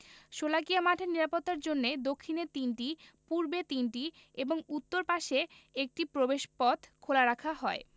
শোলাকিয়া মাঠের নিরাপত্তার জন্য দক্ষিণে তিনটি পূর্বে তিনটি এবং উত্তর পাশে একটি প্রবেশপথ খোলা রাখা হয়